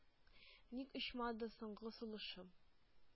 Ник очмады соңгы сулышым,